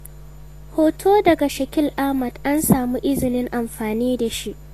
Hoto daga Shakil Ahmed, an samu izinin amfani da shi.